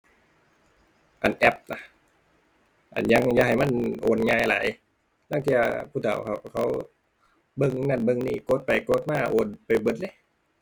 อั่น แอปน่ะ อั่น อย่า อย่าให้มันโอนง่ายหลาย ลางเทื่อผู้เฒ่าเขา เขาเบิ่งนั้นเบิ่งนี้ กดไปกดมา โอนไปเบิดเลย